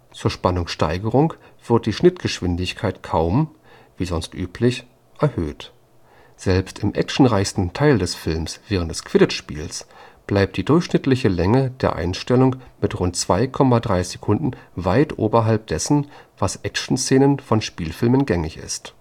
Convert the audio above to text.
Zur Spannungssteuerung wird die Schnittgeschwindigkeit kaum – wie sonst üblich – erhöht. Selbst im actionreichsten Teil des Films, während des Quidditch-Spiels, bleibt die durchschnittliche Länge einer Einstellung mit rund 2,3 Sekunden weit oberhalb dessen, was in Actionszenen von Spielfilmen gängig ist